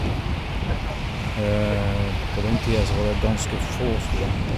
På den tida så var det ganske få studenter.